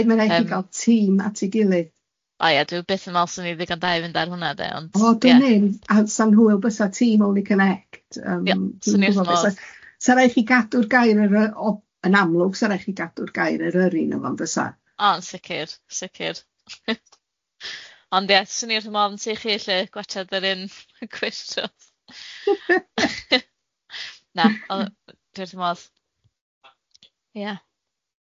Rid chdi gal tîm at ei gilydd... O ia dwi byth yn meddwl 'swn i ddigon da i fynd ar hwnna 'de ond... o dwn i 'm a sa'n hwyl bysa, tîm Only Connect... 'swn i wrth fy modd... yym sa raid chi gadw, o- yn amlwg sa raid chi gadw'r gair Eryri yn y fo bysa... o yn sicir sicir ond ia 'swn i wrth 'y modd yn tŷ chi 'lly gwajad yr yym y cwis shows na o'dd y- dwi wrth 'y modd.